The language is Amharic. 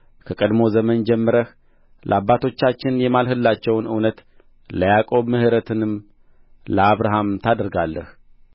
ከቀድሞ ዘመን ጀምረህ ለአባቶቻችን የማልህላቸውን እውነት ለያዕቆብ ምሕረትንም ለአብርሃም ታደርጋለህ